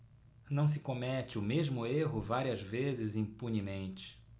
não se comete o mesmo erro várias vezes impunemente